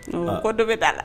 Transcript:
Ko dɔ bɛ d'a la